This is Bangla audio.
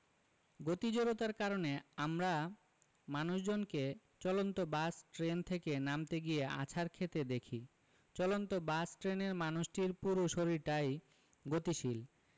গতি জড়তার কারণে আমরা মানুষজনকে চলন্ত বাস ট্রেন থেকে নামতে গিয়ে আছাড় খেতে দেখি চলন্ত বাস ট্রেনের মানুষটির পুরো শরীরটাই গতিশীল